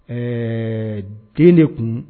Ɛɛ den de kun